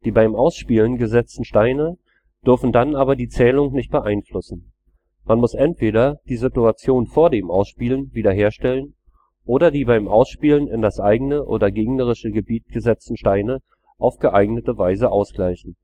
beim Ausspielen gesetzten Steine dürfen dann aber die Zählung nicht beeinflussen. Man muss entweder die Situation vor dem Ausspielen wiederherstellen oder die beim Ausspielen in das eigene oder gegnerische Gebiet gesetzten Steine auf geeignete Weise ausgleichen